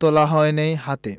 তোলা হয়নি হাতে